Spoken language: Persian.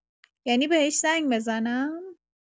یعنی بهش زنگ بزنم؟